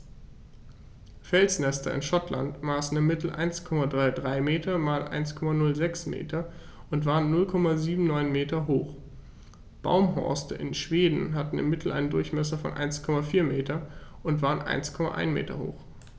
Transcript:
Felsnester in Schottland maßen im Mittel 1,33 m x 1,06 m und waren 0,79 m hoch, Baumhorste in Schweden hatten im Mittel einen Durchmesser von 1,4 m und waren 1,1 m hoch.